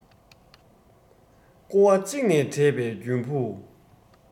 ཀོ བ གཅིག ནས དྲས པའི རྒྱུན བུ